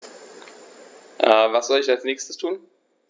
Was soll ich als Nächstes tun?